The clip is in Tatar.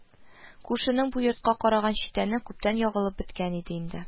Күршенең бу йортка караган читәне күптән ягылып беткән иде инде